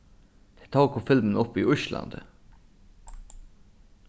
tey tóku filmin upp í íslandi